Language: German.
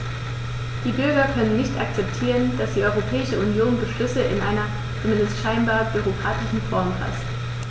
Die Bürger können nicht akzeptieren, dass die Europäische Union Beschlüsse in einer, zumindest scheinbar, bürokratischen Form faßt.